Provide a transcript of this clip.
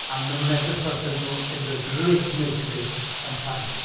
A maen nhw'n edrych fel 'sen nhw in the great milk race yn Ffrainc.